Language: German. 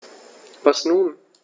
Was nun?